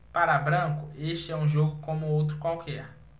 para branco este é um jogo como outro qualquer